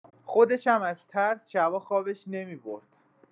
خودش هم از ترس، شب‌ها خوابش نمی‌برد.